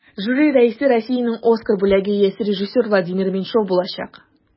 Жюри рәисе Россиянең Оскар бүләге иясе режиссер Владимир Меньшов булачак.